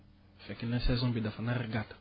fekk na saison bi dafa nar a gàtt